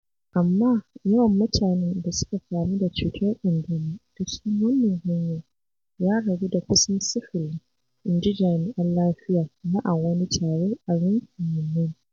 Amma yawan mutanen da suka kamu da cutar ƙanjamau ta cikin wannan hanyar ya ragu da kusan sifili, inji jami'an lafiya na a wani taro a yankin Yunnan.